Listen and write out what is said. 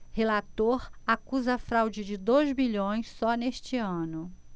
relator acusa fraude de dois bilhões só neste ano